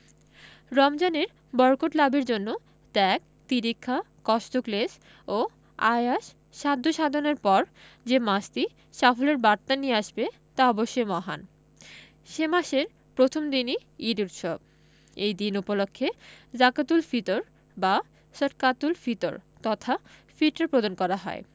রমজানের বরকত লাভের জন্য ত্যাগ তিতিক্ষা কষ্টক্লেশ ও আয়াস সাধ্য সাধনার পর যে মাসটি সাফল্যের বার্তা নিয়ে আসবে তা অবশ্যই মহান সে মাসের প্রথম দিনই ঈদ উৎসব এই দিন উপলক্ষে জাকাতুল ফিতর বা সদকাতুল ফিতর তথা ফিতরা প্রদান করা হয়